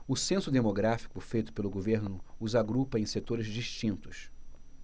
o censo demográfico feito pelo governo os agrupa em setores distintos